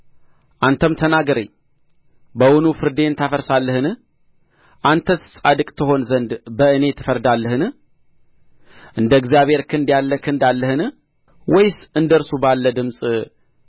አንተም ተናገረኝ በውኑ ፍርዴን ታፈርሳለህን አንተስ ጻድቅ ትሆን ዘንድ በእኔ ትፈርዳለህን እንደ እግዚአብሔር ክንድ ያለ ክንድ አለህን ወይስ እንደ እርሱ ባለ ድምፅ